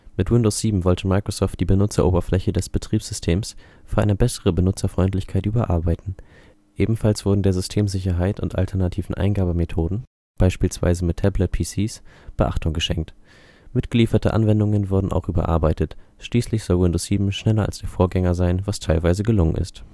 Mit Windows 7 wollte Microsoft die Benutzeroberfläche des Betriebssystems für eine bessere Benutzerfreundlichkeit überarbeiten. Ebenfalls wurden der Systemsicherheit und alternativen Eingabemethoden (beispielsweise mit Tablet PCs) Beachtung geschenkt. Mitgelieferte Anwendungen wurden auch überarbeitet. Schließlich soll Windows 7 schneller als die Vorgänger sein, was teilweise gelungen ist